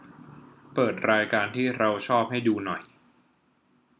เปิดรายการที่เราชอบให้ดูหน่อย